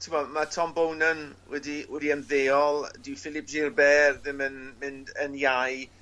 t'wod ma' Tom Bonan wedi wedi ymddeol. Dyw Philippe Gilbert ddim yn mynd yn iau.